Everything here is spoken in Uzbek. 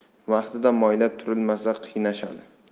vaqtida moylab turilmasa qiynashadi